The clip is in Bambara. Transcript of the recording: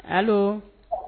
Allo! _